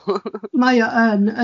Mae o yn,